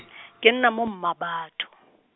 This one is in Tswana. ke nna mo Mmabatho.